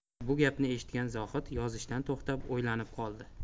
bu gapni eshitgan zohid yozishdan to'xtab o'ylanib qoldi